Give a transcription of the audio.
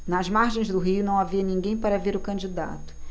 nas margens do rio não havia ninguém para ver o candidato